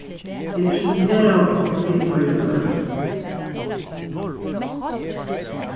vit presenteraðu okkum fyri hvørjum øðrum